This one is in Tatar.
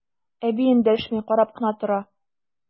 Әби эндәшми, карап кына тора.